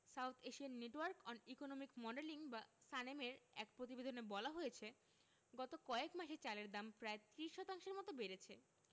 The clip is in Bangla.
south Asian Network on Economic Modelling বা সানেমের এক প্রতিবেদনে বলা হয়েছে গত কয়েক মাসে চালের দাম প্রায় ৩০ শতাংশের মতো বেড়েছে